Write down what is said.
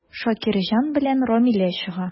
Шакирҗан белән Рамилә чыга.